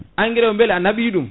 engrais o beele a naɓi ɗum